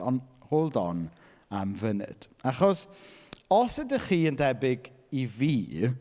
Ond hold on am funud. Achos, os ydych chi yn debyg i fi...